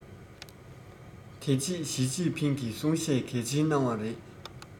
དེ རྗེས ཞིས ཅིན ཕིང གིས གསུང བཤད གལ ཆེན གནང བ རེད